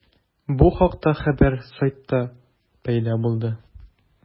Бу хакта хәбәр сайтта пәйда булды.